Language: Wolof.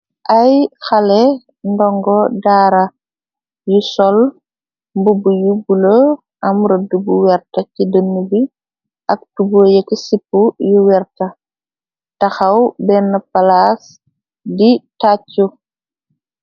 Ay xale ndongo daara yu sol mbubb yu bule, am rëdd bu werta ci dënn bi, ak tubo yeki sipu yu werta, taxaw benn palaas di tàccu.